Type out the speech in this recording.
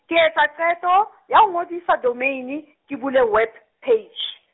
ke etsa qeto, ya ho ngodisa domeine, ke bule web page.